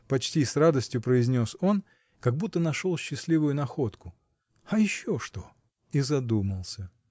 — почти с радостью произнес он, как будто нашел счастливую находку. — А еще что? И задумался.